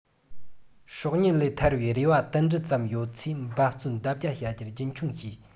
སྲོག ཉེན ལས ཐར བའི རེ བ ཏིལ འབྲུ ཙམ ཡོད ཚེ འབད བརྩོན ལྡབ བརྒྱ བྱ རྒྱུ རྒྱུན འཁྱོངས བྱས